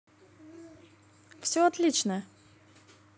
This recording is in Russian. все отлично